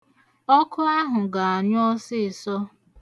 Ọkụ ahụ ga-anyụ ọsịịsọ.